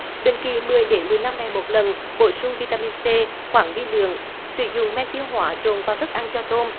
định kỳ mười đến mười lăm ngày một lần bổ sung vi ta min xê khoáng vi lượng sử dụng men tiêu hóa trộn vào thức ăn cho tôm